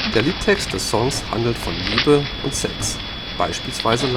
Der Liedtext des Songs handelt von Liebe und Sex; beispielsweise